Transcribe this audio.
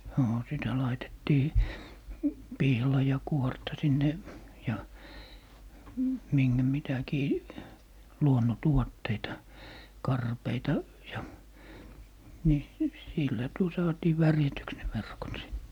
no sitä laitettiin pihlajankuorta sinne ja minkä mitäkin luonnontuotteita karpeita ja niin sillä tuo saatiin värjätyksi ne verkot sitten